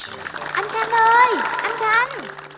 anh khanh ơi anh khanh